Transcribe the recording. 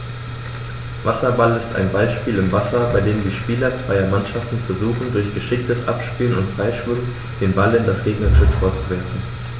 Wasserball ist ein Ballspiel im Wasser, bei dem die Spieler zweier Mannschaften versuchen, durch geschicktes Abspielen und Freischwimmen den Ball in das gegnerische Tor zu werfen.